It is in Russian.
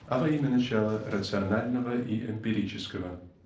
а во имя начала рационального и эмпирического.